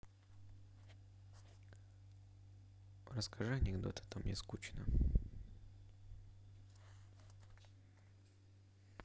расскажи мне анекдот а то мне скучно